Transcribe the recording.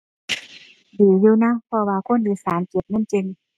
ดีอยู่นะ เพราะว่าคนอีสานเก็บเงินเก่ง